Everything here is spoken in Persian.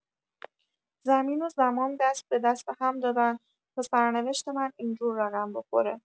زمین و زمان دست به دست هم دادن تا سرنوشت من اینجور رقم بخوره!